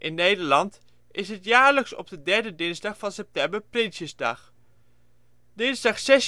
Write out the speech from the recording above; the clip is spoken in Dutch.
Nederland is het jaarlijks op de derde dinsdag van september Prinsjesdag. Dinsdag 6 juni 1944